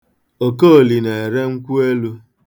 Okoli na-ere nkwụelu.